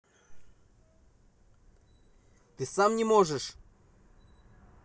ты сам не можешь